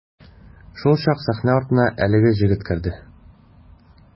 Шулчак сәхнә артына әлеге җегет керде.